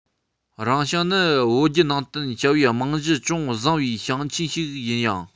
རང ཞིང ནི བོད བརྒྱུད ནང བསྟན བྱ བའི རྨང གཞི ཅུང བཟང བའི ཞིང ཆེན ཞིག ཡིན ཡང